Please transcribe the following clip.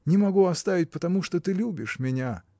Не могу оставить потому, что ты любишь меня.